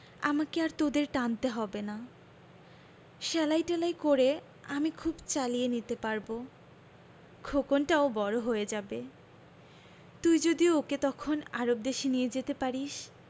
আমাকে আর তোদের টানতে হবে না সেলাই টেলাই করে আমি খুব চালিয়ে নিতে পারব খোকনটাও বড় হয়ে যাবে তুই যদি ওকে তখন আরব দেশে নিয়ে যেতে পারিস